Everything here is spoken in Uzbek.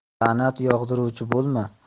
la'nat yog'diruvchi bo'lma